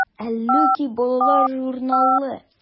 “әллүки” балалар журналы.